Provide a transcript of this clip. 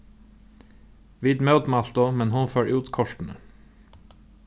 vit mótmæltu men hon fór út kortini